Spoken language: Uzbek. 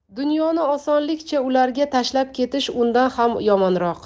dunyoni osonlikcha ularga tashlab ketish undan ham yomonroq